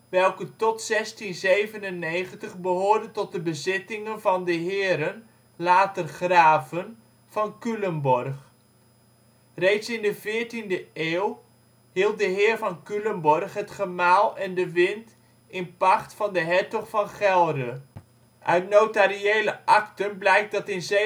welke tot 1697 behoorde tot de bezittingen van de heren, later graven van Culemborg. Reeds in de 14e eeuw hield de heer van Culemborg het gemaal en de wind in pacht van de hertog van Gelre. Uit notariële akten blijkt dat in 1732